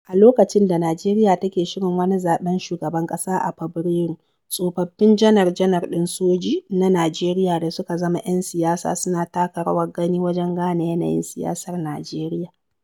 A lokacin da Najeriya take shirin wani zaɓen shugaban ƙasa a Fabarairu, tsofaffin janar-janar ɗin soji na Najeriya da suka zama 'yan siyasa suna taka rawar gani wajen gane yanayin siyasar Najeriya.